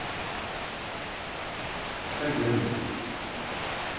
к обеду